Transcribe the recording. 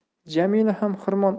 jamila ham xirmon